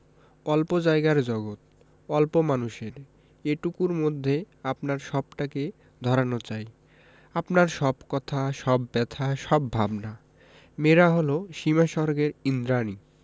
অল্প জায়গার জগত অল্প মানুষের এটুকুর মধ্যে আপনার সবটাকে ধরানো চাই আপনার সব কথা সব ব্যাথা সব ভাবনা মেয়েরা হল সীমাস্বর্গের ঈন্দ্রাণী